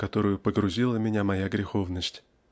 в которую погрузила меня моя греховность.